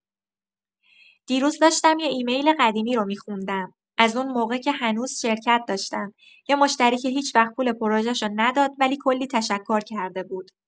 دیروز داشتم یه ایمیل قدیمی رو می‌خوندم، از اون موقع که هنوز شرکت داشتم، یه مشتری که هیچ‌وقت پول پروژه‌شو نداد ولی کلی تشکر کرده بود.